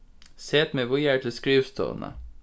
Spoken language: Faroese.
set meg víðari til skrivstovuna